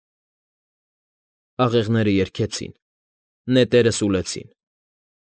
Աղեղները երգեցին, նետերը սուլեցին։